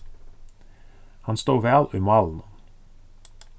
hann stóð væl í málinum